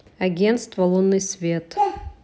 агентство лунный свет